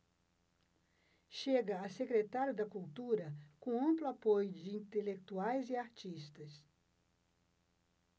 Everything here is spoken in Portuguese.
chega a secretário da cultura com amplo apoio de intelectuais e artistas